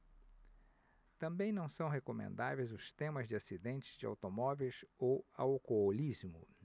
também não são recomendáveis os temas de acidentes de automóveis ou alcoolismo